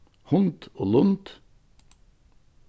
hund og lund